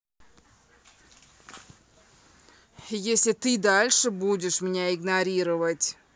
если ты дальше будешь меня игнорировать